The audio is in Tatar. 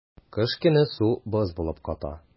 Кыш көне су боз булып ката.